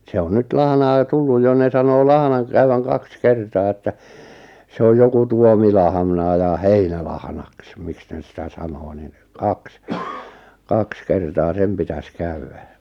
se on nyt lahnaa jo tullut jo ne sanoo lahnan kutevan kaksi kertaa että se on joku tuomilahna ja heinälahnaksi miksi ne sitä sanoo niin kaksi kaksi kertaa sen pitäisi käydä